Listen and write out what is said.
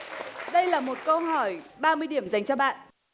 đây là một câu hỏi ba mươi điểm dành cho bạn